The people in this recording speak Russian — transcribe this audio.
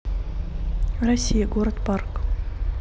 россия город парк